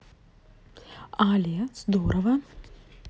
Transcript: але здорово